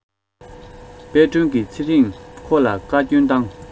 དཔལ སྒྲོན གྱི ཚེ རིང ཁོ ལ བཀའ བསྐྱོན བཏང